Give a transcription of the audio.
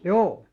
juu